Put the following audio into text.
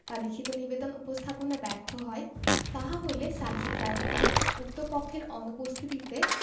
বা লিখিত নিবেদন উপস্থাপনে ব্যর্থ হয় তাহা হইলে সালিসী ট্রাইব্যুনাল উক্ত পক্ষের অনুপস্থিতিতে